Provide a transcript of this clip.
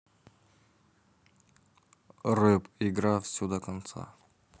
рэп игра все до конца